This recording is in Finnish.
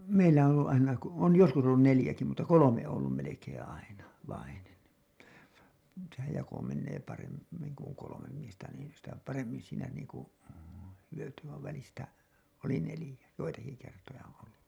meillä on ollut aina - on joskus ollut neljäkin mutta kolme on ollut melkein aina vainen sehän jako menee - paremmin kun on kolme miestä niin sitä paremmin siinä niin kuin hyötyi vaan välistä oli neljä joitakin kertoja on ollut